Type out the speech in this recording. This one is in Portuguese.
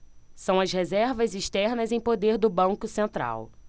são as reservas externas em poder do banco central